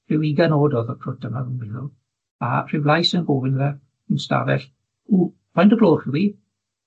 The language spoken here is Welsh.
rhyw ugain o'd o'dd y crwt yma fi'n meddwl, a rhyw lais yn gofyn iddo fe, yn y stafell, w, faint o gloch yw 'i?